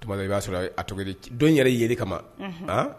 Tuma dɔ la ka bi ta'a sɔrɔ , a tɔgɔ ye di?, dɔ in yɛrɛ yelli kama, unhun.